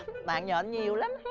mạng nhện nhiều lắm